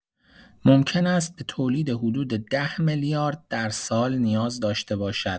ممکن است به تولید حدود ۱۰ میلیارد در سال نیاز داشته باشد.